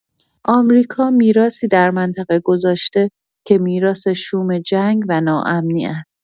آمریکا میراثی در منطقه گذاشته که میراث شوم جنگ و ناامنی است.